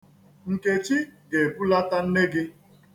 Nkechi ga-ebulata nne gị.